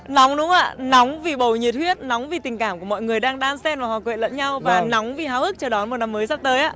nóng đúng không ạ nóng vì bầu nhiệt huyết nóng vì tình cảm của mọi người đang đan xen hòa quyện lẫn nhau và nóng vì háo hức chờ đón một năm mới sắp tới ạ